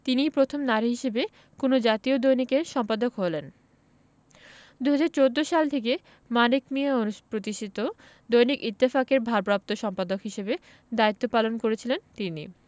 তিনিই প্রথম নারী হিসেবে কোনো জাতীয় দৈনিকের সম্পাদক হলেন ২০১৪ সাল থেকে মানিক মিঞা প্রতিষ্ঠিত দৈনিক ইত্তেফাকের ভারপ্রাপ্ত সম্পাদক হিসেবে দায়িত্ব পালন করছিলেন তিনি